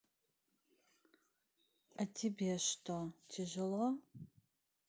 а тебе что тяжело